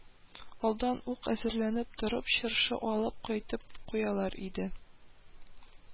“алдан ук әзерләнеп торып, чыршы алып кайтып куялар иде